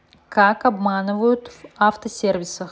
как обманывают в автосервисах